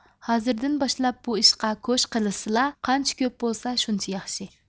ھازىردىن باشلاپ بۇ ئىشقا كوش قىلىشسىلا قانچە كۆپ بولسا شۇنچە ياخشى